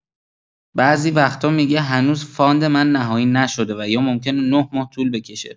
بعضی وقتا می‌گه هنوز فاند من نهایی نشده و یا ممکنه ۹ ماه طول بکشه.